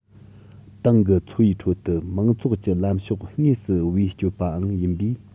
ཏང གི འཚོ བའི ཁྲོད དུ མང ཚོགས ཀྱི ལམ ཕྱོགས དངོས སུ བེད སྤྱོད པའང ཡིན པས